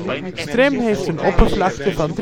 Strem heeft een oppervlakte van